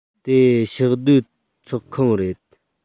དེ ཕྱོགས བསྡུས ཚོགས ཁང རེད